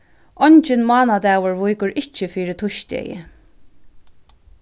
eingin mánadagur víkur ikki fyri týsdegi